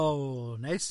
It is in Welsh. Oh, neis.